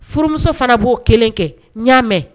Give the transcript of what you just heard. Furuuso fana b'o kelen kɛ n y'a mɛn